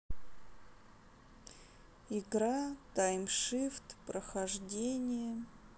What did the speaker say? игра тайм шифт прохождение